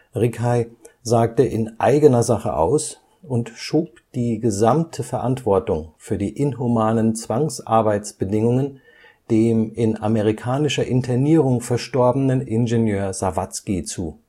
Rickhey sagte in eigener Sache aus und schob die gesamte Verantwortung für die inhumanen Zwangsarbeitsbedingungen dem in amerikanischer Internierung verstorbenen Ingenieur Sawatzki zu